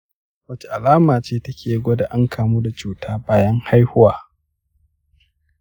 wace alama ce take gwada an kamu da cuta bayan haihuwa